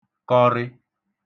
kọrị